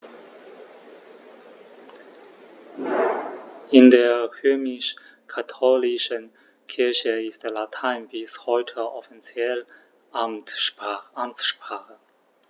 In der römisch-katholischen Kirche ist Latein bis heute offizielle Amtssprache.